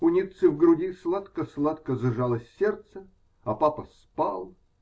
У Ниццы в груди сладко-сладко сжалось сердце. А папа спал.